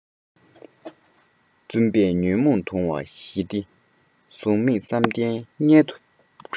བཙུན པས ཉོན མོངས གདུང བ ཞི སྟེ གཟུགས མེད བསམ གཏན མངལ དུ སྦྲུམ